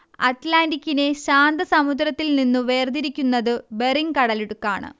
അറ്റ്ലാന്റിക്കിനെ ശാന്തസമുദ്രത്തിൽനിന്നു വേർതിരിക്കുന്നതു ബെറിങ് കടലിടുക്കാണ്